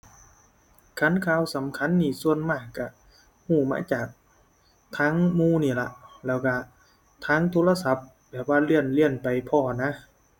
คันข่าวสำคัญนี่ส่วนมากก็ก็มาจากทางหมู่นี่ล่ะ แล้วก็ทางโทรศัพท์ แบบว่าเลื่อนเลื่อนไปพ้อนะ